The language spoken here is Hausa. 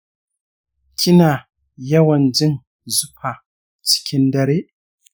kina yawan jin zufa cikin dare?